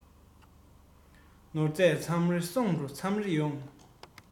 ནོར རྗས མཚམས རེ སོང འགྲོ མཚམས རེ ཡོང